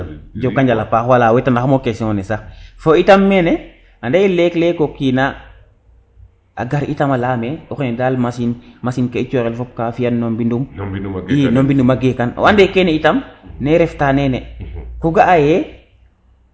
njoko njal njoko njal a paax wala wetana xama question ne sax fo itam mene ande leg leg o kina a gar itam a leyame o xene dal machine ke i coxel fop ka fiyan no mbinum no mbinuma gekan i ande kene itam ne ref ta nene ko ga a ye